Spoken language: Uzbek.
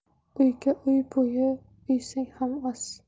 uyga uy bo'yi uysang ham oz